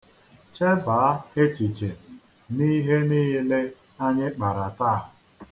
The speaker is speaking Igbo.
Chebaa echiche n'ihe niile anyị kpara taa.